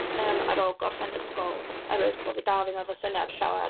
yym, ar ôl gorffen ysgol, oherwydd bod fi dal ddim efo syniad llawer...